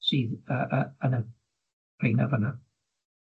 sydd yy yy yn y rheina fyn 'na.